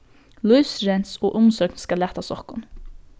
lívsrensl og umsókn skal latast okkum